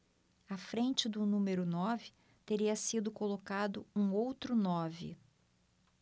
à frente do número nove teria sido colocado um outro nove